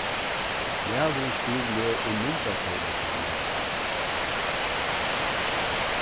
maðurin spyr meg um myndatólið hjá mær